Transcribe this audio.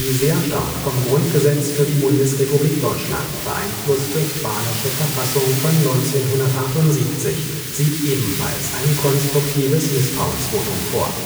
sehr stark vom Grundgesetz für die Bundesrepublik Deutschland beeinflusste Spanische Verfassung von 1978 sieht ebenfalls ein konstruktives Misstrauensvotum vor